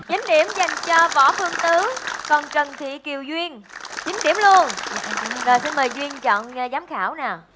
chín điểm dành cho võ phương tứ còn trần thị kiều duyên chín điểm luôn rồi xin mời duyên chọn giám khảo nào